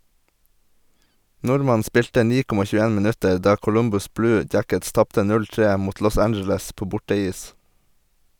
Nordmannen spilte 9.21 minutter da Columbus Blue Jackets tapte 0-3 mot Los Angeles på borteis.